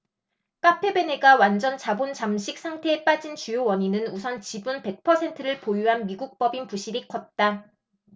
카페베네가 완전자본잠식 상태에 빠진 주요 원인은 우선 지분 백 퍼센트를 보유한 미국법인 부실이 컸다